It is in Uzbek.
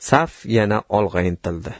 saf yana olg'a intildi